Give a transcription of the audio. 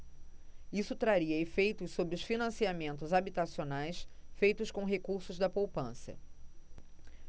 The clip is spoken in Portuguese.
isso traria efeitos sobre os financiamentos habitacionais feitos com recursos da poupança